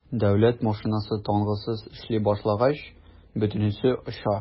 Дәүләт машинасы тынгысыз эшли башлагач - бөтенесе оча.